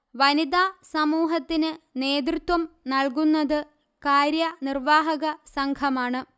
വനിതാ സമൂഹത്തിന്ന് നേതൃത്വം നല്കുന്നത് കാര്യനിർവ്വാഹകസംഘമാണ്